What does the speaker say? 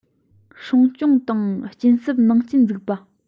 སྲུང སྐྱོང དང སྐྱིན གསབ ནང རྐྱེན འཛུགས པ